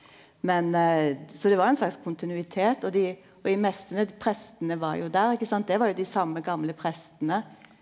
men så det var ein slags kontinuitet og dei og i messene prestane var jo der ikkje sant det var jo dei same gamle prestane.